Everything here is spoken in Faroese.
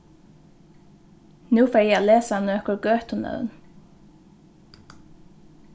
nú fari eg at lesa nøkur gøtunøvn